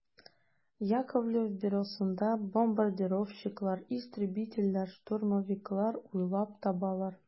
Яковлев бюросында бомбардировщиклар, истребительләр, штурмовиклар уйлап табалар.